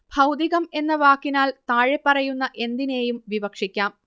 ഭൗതികം എന്ന വാക്കിനാൽ താഴെപ്പറയുന്ന എന്തിനേയും വിവക്ഷിക്കാം